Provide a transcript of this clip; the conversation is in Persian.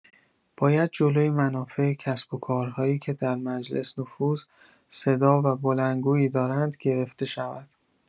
باید جلوی منافع کسب و کارهایی که در مجلس نفوذ، صدا و بلندگویی دارند گرفته شود.